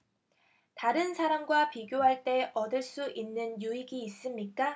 다른 사람과 비교할 때 얻을 수 있는 유익이 있습니까